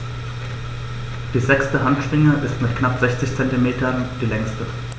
Die sechste Handschwinge ist mit knapp 60 cm die längste.